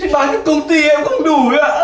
thế bán luôn công ty em cũng không đủ đâu ạ